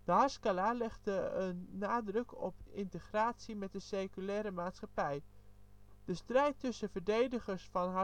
haskala legde een nadruk op integratie met de seculaire maatschappij. De strijd tussen verdedigers van